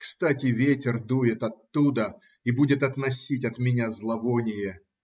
кстати, ветер дует оттуда и будет относить от меня зловоние.